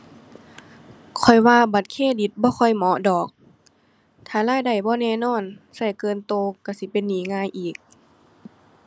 ข้อยว่าบัตรเครดิตบ่ค่อยเหมาะดอก ถ้ารายได้บ่แน่นอน ใช้เกินใช้ใช้สิเป็นหนี้ง่ายอีก